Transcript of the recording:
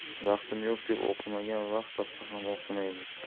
vaqtim yo'q deb o'qimagan vaqt topsa ham o'qimaydi